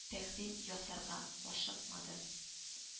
Тәкъдим ясарга ашыкмады